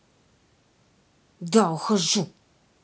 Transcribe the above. да ухожу